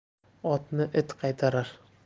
otni it qaytarar